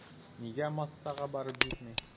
Нигә массага барып җитми?